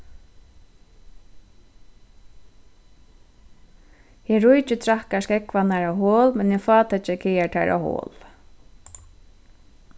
hin ríki traðkar skógvarnar á hol men hin fátæki kagar teir á hol